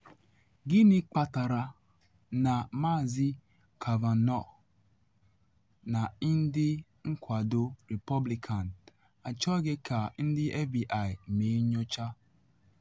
Gịnị kpatara na Maazị Kavanaugh na ndị nkwado Repọblikan achọghị ka ndị FBI mee nyocha?